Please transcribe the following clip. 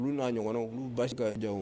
Olu n'a ɲɔgɔn na olu basi ka ja